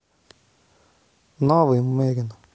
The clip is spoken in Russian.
новый мерин